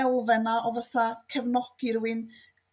elfen 'na o fatha' cefnogi rywun